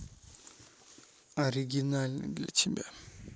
оригинальный для тебя